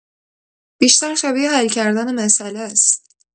بیشتر شبیه حل کردن مسئله‌ست.